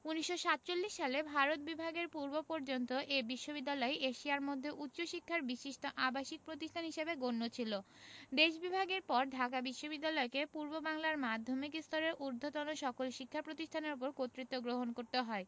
১৯৪৭ সালে ভারত বিভাগের পূর্বপর্যন্ত এ বিশ্ববিদ্যালয় এশিয়ার মধ্যে উচ্চশিক্ষার বিশিষ্ট আবাসিক প্রতিষ্ঠান হিসেবে গণ্য ছিল দেশ বিভাগের পর ঢাকা বিশ্ববিদ্যালয়কে পূর্ববাংলার মাধ্যমিক স্তরের ঊধ্বর্তন সকল শিক্ষা প্রতিষ্ঠানের ওপর কর্তৃত্ব গ্রহণ করতে হয়